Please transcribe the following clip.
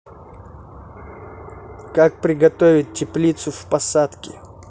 как приготовить теплицу в посадке